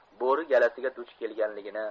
bo'ri galasiga duch kelganligini